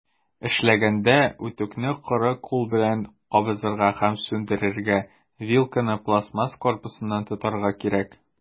Эшләгәндә, үтүкне коры кул белән кабызырга һәм сүндерергә, вилканы пластмасс корпусыннан тотарга кирәк.